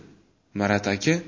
marat aka